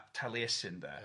a Taliesin de ia.